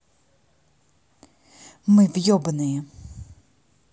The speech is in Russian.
мы в ебаные